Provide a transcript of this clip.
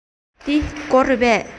འདི སྒོ རེད པས